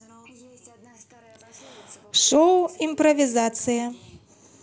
шоу импровизация